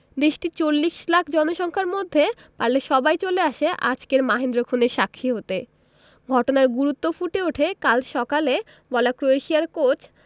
দেশটির ৪০ লাখ জনসংখ্যার মধ্যে পারলে সবাই চলে আসে আজকের মাহেন্দ্রক্ষণের সাক্ষী হতে ঘটনার গুরুত্ব ফুটে ওঠে কাল সকালে বলা ক্রোয়েশিয়ার কোচ